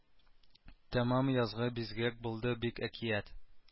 Тәмам язгы бизгәк булды бит әкият